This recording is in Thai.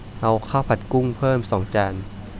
เอาข้าวผัดกุ้งเพิ่มสองจาน